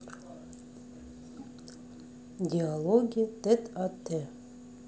диалоги тет а те